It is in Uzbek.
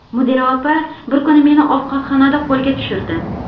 mudira opa bir kuni meni ovqatxonada qo'lga tushirdi